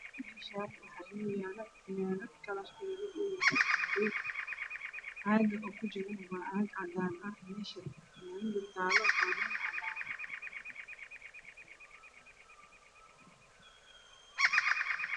Me Shan waxa yalo fanaanad kalar kedu uyahay madow caaga ukujurana waa caag cadana me sha funanada talana wa mid cadana